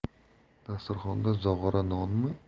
dasturxonda zog'ora nonmi